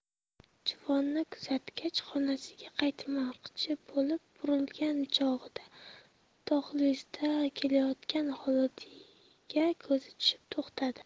juvonni kuzatgach xonasiga qaytmoqchi bo'lib burilgan chog'ida dahlizda kelayotgan xolidiyga ko'zi tushib to'xtadi